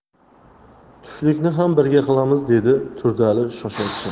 tushlikni ham birga qilamiz dedi turdiali shosha pisha